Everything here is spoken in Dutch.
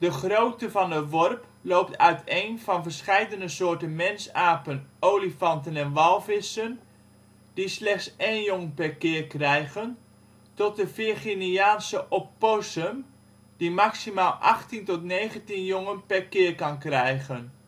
grootte van de worp loopt uiteen van verscheidene soorten mensapen, olifanten en walvissen, die slechts één jong per keer krijgen, tot de Virginiaanse opossum, die maximaal achttien tot negentien jongen per keer kan krijgen